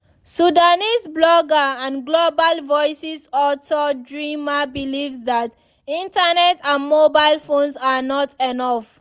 Sudanese blogger and Global Voices author Drima believes that Internet and mobile phones are not enough.